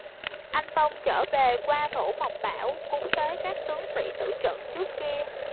anh tông trở về qua thổ mộc bảo cúng tế các tướng sĩ tử trận trước kia